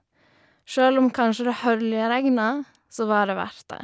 Sjøl om kanskje det høljregna, så var det verdt det.